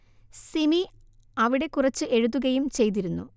സിമി അവിടെ കുറച്ചു എഴുതുകയും ചെയ്തിരുന്നു